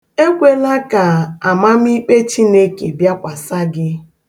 Ekwela ka amamiikpe Chineke bịakwasị gị.